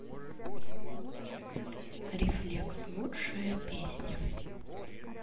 рефлекс лучшая песня